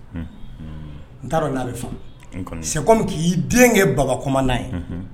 Unhun, n t'a don n'a bi faamu, o kɔni, k'i den kɛ den kɛ Baba kɔmandan ye.